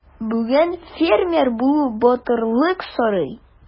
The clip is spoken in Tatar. Бүген фермер булу батырлык сорый.